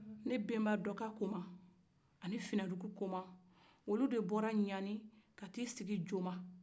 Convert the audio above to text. ne benba dɔkakoma ani finadugukoma olu de bɔra ɲani ka t'i sigi joma